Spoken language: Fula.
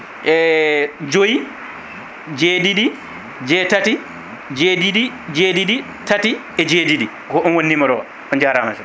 e joyyi jeeɗiɗi jeetati jeeɗiɗi jeeɗiɗi tati e jeeɗiɗi ko on woni numéro o